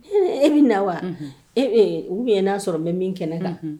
E bɛ na wa u n'a sɔrɔ mɛ min kɛnɛ na